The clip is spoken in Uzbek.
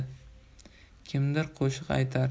kimdir qo'shiq aytar